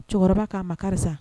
Cɛkɔrɔba k'a ma karisa